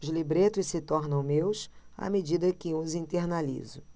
os libretos se tornam meus à medida que os internalizo